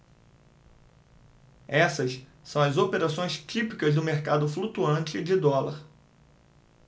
essas são as operações típicas do mercado flutuante de dólar